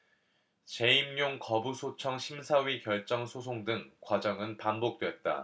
재임용 거부 소청 심사위 결정 소송 등 과정은 반복됐다